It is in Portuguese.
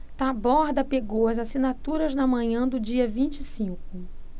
taborda pegou as assinaturas na manhã do dia vinte e cinco